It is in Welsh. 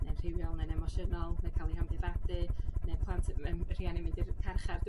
ne'n rhywiol ne'n emosiynol ne' ca'l 'u hamddifadu ne' plant yy ma' yym rhieni'n mynd i'r carchar.